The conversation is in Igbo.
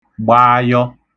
gbaayọ